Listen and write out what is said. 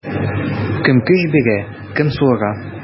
Кем көч бирә, кем суыра.